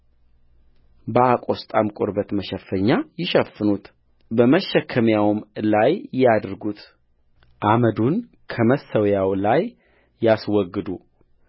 በአቆስጣም ቁርበት መሸፈኛ ይሸፍኑት በመሸከሚያውም ላይ ያድርጉትአመዱንም ከመሠዊያው ላይ ያስወግዱ ሐ